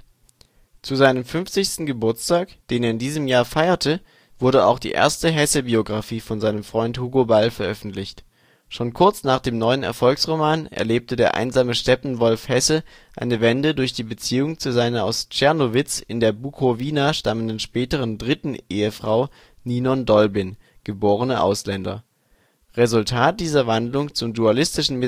Zu seinem 50. Geburtstag, den er in diesem Jahr feierte, wurde auch die erste Hesse-Biographie von seinem Freund Hugo Ball veröffentlicht. Schon kurz nach dem neuen Erfolgsroman erlebte der einsame Steppenwolf Hesse eine Wende durch die Beziehung zu seiner aus Czernowitz in der Bukowina stammenden späteren dritten Ehefrau Ninon Dolbin geb. Ausländer. Resultat dieser Wandlung zum dualistischen